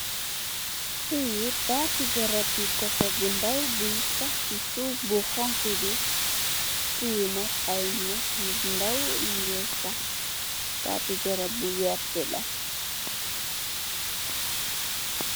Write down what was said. Fii taati garab bi koko bu ndaw buy sax si suuf bu xonxu bi, fi nak ay nyax yu ndaw nyin nge sax, taati garab bu werta la.